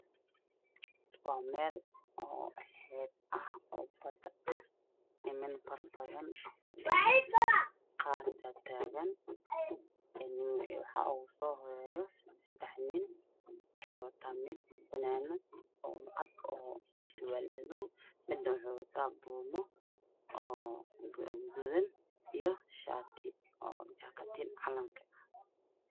Waa mel oo xeb ah oo bad ah dhaliyaro farabadan fadhiyan Qar tagtagan en waxa ugu soo horeyo sadax nin waxay watan mid Fananad oo cad iyo surwal madow Midne wuxu wata buumo oo gudud dan iyo shati oo jakitin calankah